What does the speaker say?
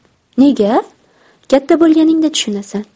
nega katta bo'lganingda tushunasan